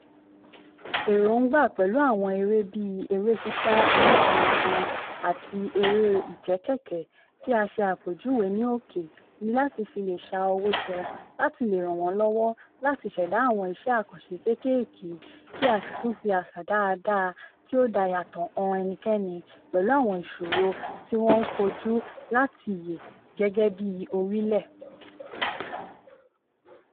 Èròńgbà pẹ̀lú àwọn eré bíi eré sísá onígbọnansan àti eré ìje kẹ̀kẹ́ tí a ṣe àpèjúwe ní òkè ni láti fi lè ṣa owó jọ láti lè ràn wọ́n lọ́wọ́ láti ṣẹ̀dá àwọn iṣẹ́ àkànṣe kéékéèké kí á sì tún fi àṣà dáadáa tí ó dá yàtọ̀ han ẹnikẹ́ni, pẹ̀lú àwọn ìṣòro tí wọ́n kojú láti yè gẹ́gẹ́ bíi orílẹ̀.